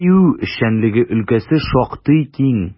ТИҮ эшчәнлеге өлкәсе шактый киң.